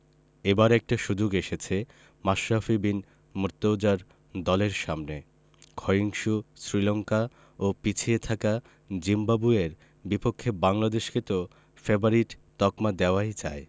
এবার একটা সুযোগ এসেছে মাশরাফি বিন মুর্তজার দলের সামনে ক্ষয়িষ্ণু শ্রীলঙ্কা ও পিছিয়ে থাকা জিম্বাবুয়ের বিপক্ষে বাংলাদেশকে তো ফেবারিট তকমা দেওয়াই যায়